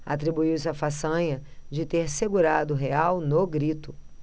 atribuiu-se a façanha de ter segurado o real no grito